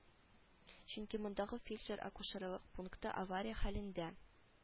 Чөнки мондагы фельдшер-акушерлык пункты авария хәлендә